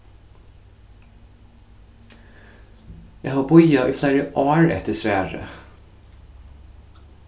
eg havi bíðað í fleiri ár eftir svari